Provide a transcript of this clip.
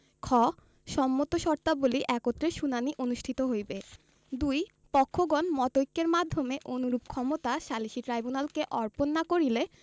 খ সম্মত শর্তাবলী একত্রে শুনানী অনুষ্ঠিত হইবে ২ পক্ষগণ মতৈক্যের মাধ্যমে অনুরূপ ক্ষমতা সালিসী ট্রাইব্যুনালকে অর্পণ না করিলে